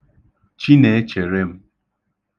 Chinèechèrēm